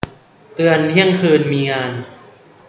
เตือนเที่ยงคืนมีงาน